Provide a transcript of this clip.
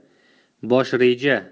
bosh reja